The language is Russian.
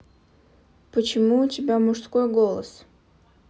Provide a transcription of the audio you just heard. почему у тебя мужской голос